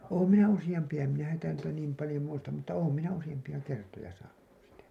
olen minä useampia en minä häntä niitä niin paljon muista mutta olen minä useampia kertoja saanut sitä